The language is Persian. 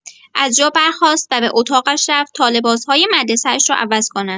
از جا برخاست و به اتاقش رفت تا لباس‌های مدرسه‌اش را عوض کند.